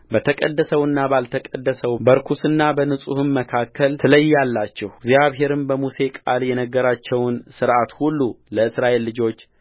በተቀደሰውና ባልተቀደሰው በርኩሱና በንጹሑም መካከል ትለያላችሁእግዚአብሔርም በሙሴ ቃል የነገራቸውን ሥርዓት ሁሉ ለእስራኤል ልጆች